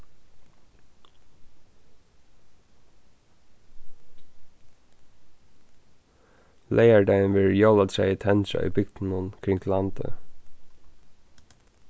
leygardagin verður jólatræið tendrað í bygdunum kring landið